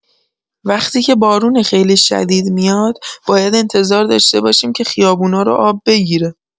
وقتی که بارون خیلی شدید میاد، باید انتظار داشته باشیم که خیابونا رو آب بگیره.